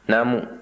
naamu